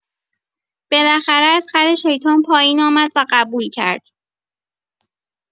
بالاخره از خر شیطان پایین آمد و قبول کرد.